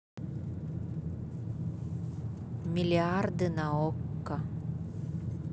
миллиарды на окко